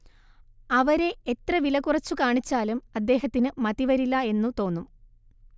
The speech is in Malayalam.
അവരെ എത്ര വിലകുറച്ചുകാണിച്ചാലും അദ്ദേഹത്തിന് മതിവരില്ല എന്നു തോന്നും